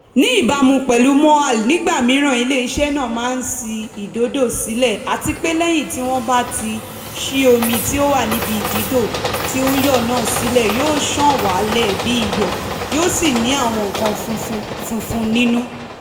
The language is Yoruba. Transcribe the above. Ní ìbámu pẹ̀lú Moahl, nígbà míràn ilé iṣẹ́ náà máa ń sí ìdídò náà sílẹ̀, àtipé lẹ́yìn tí wọ́n bá ti ṣí omi tí ó wà níbi ìdídò tí ó ń yọ̀ náà sílẹ̀, yóò ṣàn wálẹ̀ bíi iyọ̀ yóò sì ní àwọn nǹkan funfun funfun nínú.